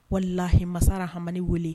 Walahi, masa Rahamani wele.